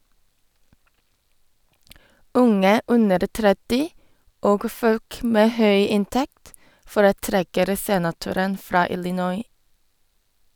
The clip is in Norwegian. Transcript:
Unge under 30 og folk med høy inntekt foretrekker senatoren fra Illinois.